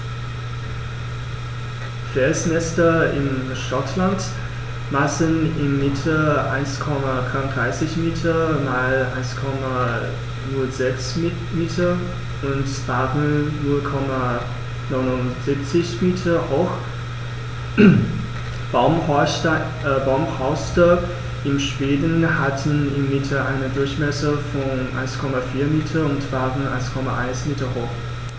Felsnester in Schottland maßen im Mittel 1,33 m x 1,06 m und waren 0,79 m hoch, Baumhorste in Schweden hatten im Mittel einen Durchmesser von 1,4 m und waren 1,1 m hoch.